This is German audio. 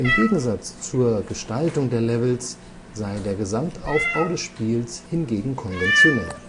Gegensatz zur Gestaltung der Levels sei der Gesamtaufbau des Spiels hingegen konventionell